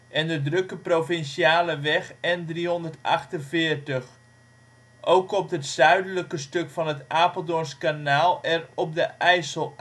en de drukke provinciale weg N348. Ook komt het zuidelijke stuk van het Apeldoorns kanaal er op de IJssel